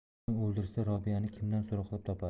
buni o'ldirsa robiyani kimdan so'roqlab topadi